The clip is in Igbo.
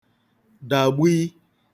dàgbui